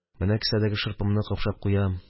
Менә кесәдәге шырпымны капшап куям.